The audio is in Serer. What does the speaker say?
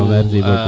merci beaucoup